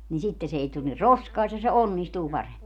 niin sitten se ei tule niin roskaista se onnistuu paremmin